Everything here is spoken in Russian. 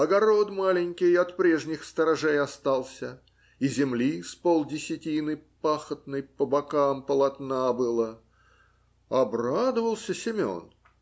огород маленький от прежних сторожей остался, и земли с полдесятины пахотной по бокам полотна было. Обрадовался Семен